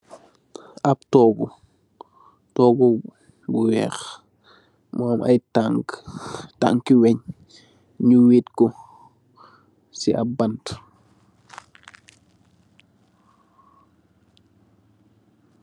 Ap togu togu bu weex nyugi ameh ay tanka tanki weng nyu weer ko si ap panta.